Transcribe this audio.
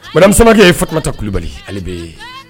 Wakɛ ye fata kulubali ale bɛ ye